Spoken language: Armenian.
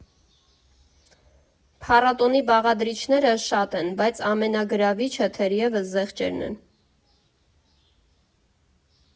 Փառատոնի բաղադրիչները շատ են, բայց ամենագրավիչը, թերևս, զեղչերն են.